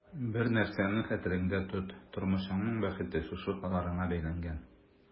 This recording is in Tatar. Бер нәрсәне хәтерендә тот: тормышыңның бәхете шушы карарыңа бәйләнгән.